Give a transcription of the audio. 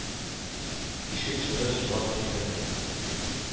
Бишек җыры җырлап тирбәткән.